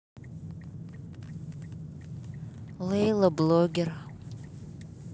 лейла блогер